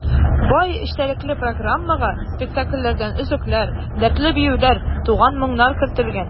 Бай эчтәлекле программага спектакльләрдән өзекләр, дәртле биюләр, туган моңнар кертелгән.